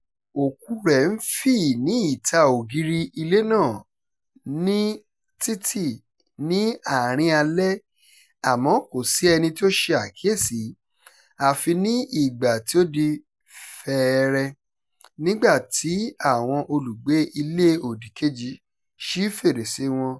Òkúu rẹ̀ ń fì ní ìta ògiri ilé náà ní títì ní àárín alẹ́, àmọ́ kò sí ẹni tí ó se àkíyèsí àfi ní ìgbà tí ó di fẹ̀ẹ̀rẹ̀ nígbà tí àwọn alùgbé ilé òdì kejì ṣí fèrèsée wọn.